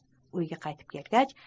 uyga yetib kelgach